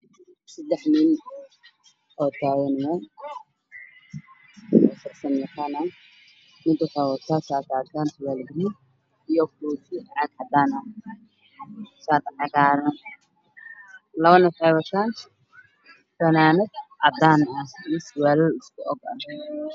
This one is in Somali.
Sedax niin oo tagan meel oo farsama yaqaan ah mid woxoo wataa shari cadan sulwal gaduud iyo koofi cad cadan ah shati cagaran labana wexey wataan funana cadan iyo surwalo isku eg eg